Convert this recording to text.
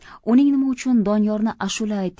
uning nima uchun doniyorni ashula ayt